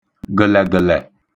gə̣̀lẹ̀gə̣̀lẹ̀